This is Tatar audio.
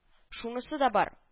Шунысы да бар